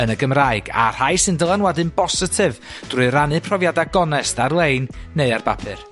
yn y Gymraeg, a rhai sy'n dylanwadu bositif drwy rhannu profiada gonest ar-lein neu ar bapur.